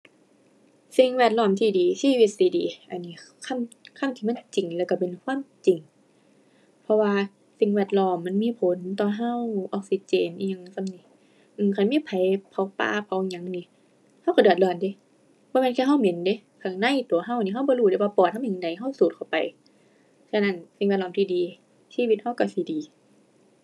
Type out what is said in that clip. สิ่งแวดล้อมที่ดี ชีวิตสิดี อันนี้ คำ คำที่มันจริง แล้วก็เป็นความจริง เพราะว่าสิ่งแวดล้อมมันมีผลต่อก็ ออกซิเจนอิหยังส่ำนี้ อือ คันมีไผเผาป่าเผาหยังหนิ ก็ก็เดือดร้อนเดะ บ่แม่นแค่ก็เหม็นเดะ ข้างในตัวก็หนิก็บ่รู้เดะว่าปอดมันจั่งใดก็สูดเข้าไป ฉะนั้น สิ่งแวดล้อมที่ดี ชีวิตก็ก็สิดี